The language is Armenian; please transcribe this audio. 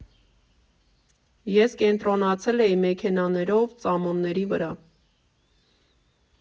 Ես կենտրոնացել էի մեքենաներով ծամոնների վրա։